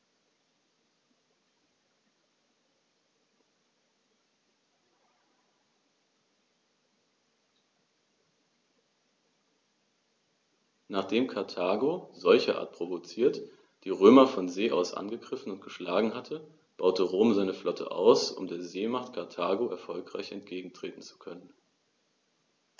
Nachdem Karthago, solcherart provoziert, die Römer von See aus angegriffen und geschlagen hatte, baute Rom seine Flotte aus, um der Seemacht Karthago erfolgreich entgegentreten zu können.